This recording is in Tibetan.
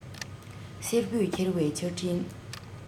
བསེར བུས འཁྱེར བའི ཆར སྤྲིན